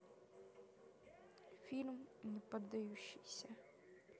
фильм неподдающиеся